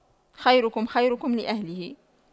خيركم خيركم لأهله